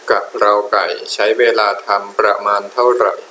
กะเพราไก่ใช้เวลาทำประมาณเท่าไหร่